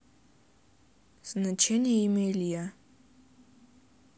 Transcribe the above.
значение имя илья